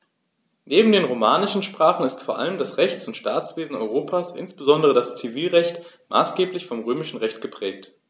Neben den romanischen Sprachen ist vor allem das Rechts- und Staatswesen Europas, insbesondere das Zivilrecht, maßgeblich vom Römischen Recht geprägt.